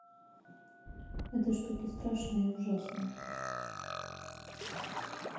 это что то страшное и ужасное